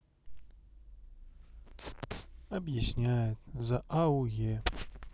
объясняет за ауе